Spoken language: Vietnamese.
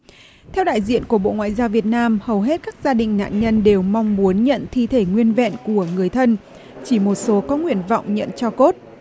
theo đại diện của bộ ngoại giao việt nam hầu hết các gia đình nạn nhân đều mong muốn nhận thi thể nguyên vẹn của người thân chỉ một số có nguyện vọng nhận tro cốt